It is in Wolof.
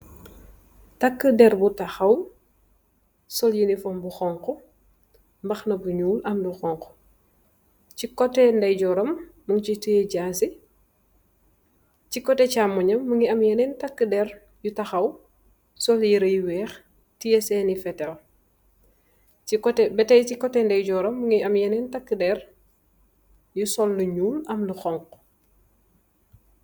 Takkuh deer bu takhaw sul uniform bu xong khuh mbakha na bu nyul am lu xong si khuh ndeye joram munge teyeh jassi si koteh chamm moi yam munge ameh yenen takkhuh deer yu takhaw sul yerreh yu wekh teyeh sen fettel ba tey si koteh ndeye joram munge ame yenen takkhuh deer yufa takhaw sul yerreh yu nyul